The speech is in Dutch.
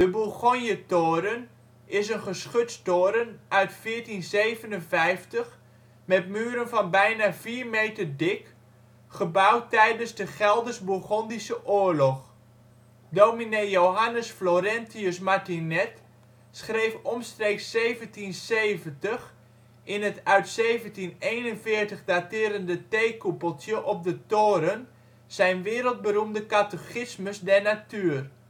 Bourgonjetoren is een geschutstoren uit 1457 met muren van bijna vier meter dik, gebouwd tijdens de Gelders-Bourgondische oorlog. Dominee Johannes Florentius Martinet schreef omstreeks 1770 in het uit 1741 daterende theekoepeltje op de toren zijn wereldberoemde Katechismus der Natuur